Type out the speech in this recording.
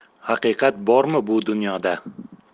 haqiqat bormi bu dunyoda